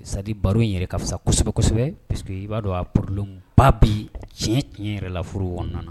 Sadi baro in yɛrɛ ka fisa kosɛbɛsɛbɛ pseke i b'a dɔn a purlenba bi tiɲɛ tiɲɛ yɛrɛ laf ɲɔgɔn na